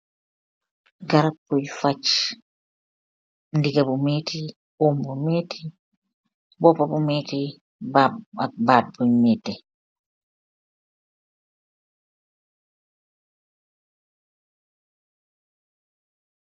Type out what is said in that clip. Garab boi fag ndega bu meeti oom bu meeti boopa bu meeti ak badd bu meeti.